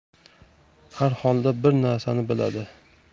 harholda bir narsani biladi